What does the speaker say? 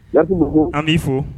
Ya ko an b'i fo